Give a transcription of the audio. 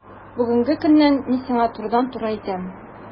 Бүгенге көннән мин сиңа турыдан-туры әйтәм: